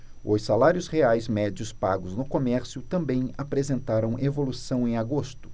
os salários reais médios pagos no comércio também apresentaram evolução em agosto